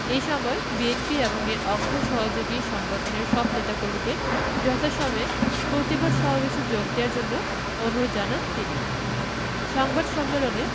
এ সময় বিএনপি এবং এর অঙ্গ সহযোগী সংগঠনের সব নেতাকর্মীকে যথাসময়ে প্রতিবাদ সমাবেশে যোগ দেয়ার জন্য অনুরোধ জানান তিনি সংবাদ সম্মেলনে